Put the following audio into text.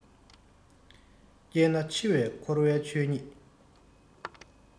སྐྱེས ནས འཆི བ འཁོར བའི ཆོས ཉིད